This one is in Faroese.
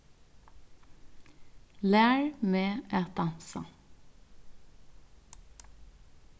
lær meg at dansa